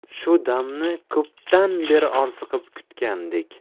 shu damni ko'pdan beri orziqib kutgandek